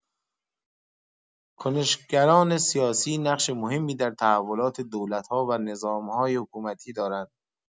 کنش‌گران سیاسی نقش مهمی در تحولات دولت‌ها و نظام‌های حکومتی دارند.